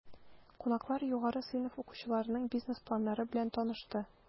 Кунаклар югары сыйныф укучыларының бизнес планнары белән танышты.